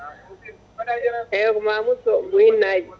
eyyi ko Mamoudou Sow Boyinaji